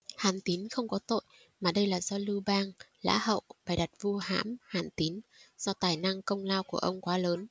hàn tín không có tội mà đây là do lưu bang lã hậu bày đặt vu hãm hàn tín do tài năng công lao của ông quá lớn